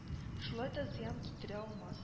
Шулай да зыян китерә алмас